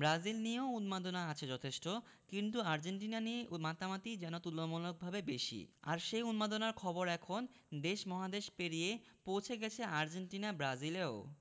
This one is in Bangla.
ব্রাজিল নিয়েও উন্মাদনা আছে যথেষ্ট কিন্তু আর্জেন্টিনা নিয়ে মাতামাতিই যেন তুলনামূলকভাবে বেশি আর সেই উন্মাদনার খবর এখন দেশ মহাদেশ পেরিয়ে পৌঁছে গেছে আর্জেন্টিনা ব্রাজিলেও